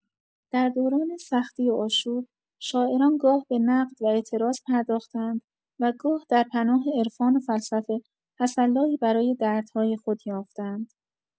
در دوران سختی و آشوب، شاعران گاه به نقد و اعتراض پرداخته‌اند و گاه در پناه عرفان و فلسفه، تسلایی برای دردهای خود یافته‌اند.